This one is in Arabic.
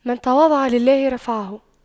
من تواضع لله رفعه